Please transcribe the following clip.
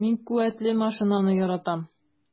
Мин куәтле машинаны яратам.